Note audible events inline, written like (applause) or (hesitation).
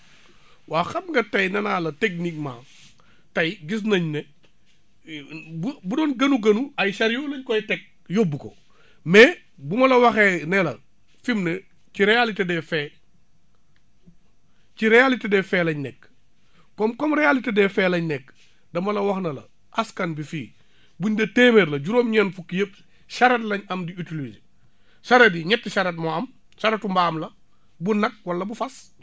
(breath) waa xam nga tey nee naa la techniquement (breath) tey gis nañ ne (hesitation) bu doon gënu gënu ay chariots lañ koy teg yóbbu ko (breath) mais bu ma la waxee ne la fi mu ne ci réalité des faits ci réalité des faits lañ nekk comme comme réalité des faits lañ nekk (breath) dama la wax ne la askan bi fii buñ de téeméer lañ juróom-ñeet fukk yëpp charette lañ am di utiliser (breath) cahrette yi ñetti charettes moo am charette mbaam la bu nag wala bu fas